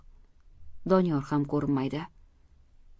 doniyor ham ko'rinmaydi